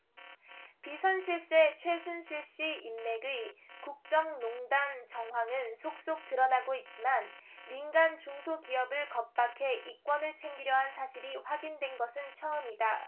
비선 실세 최순실씨 인맥의 국정농단 정황은 속속 드러나고 있지만 민간 중소기업을 겁박해 이권을 챙기려 한 사실이 확인된 것은 처음이다